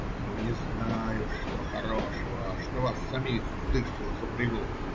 - Ну, не знаю, что хорошего, что вас самих в дышло запрягут.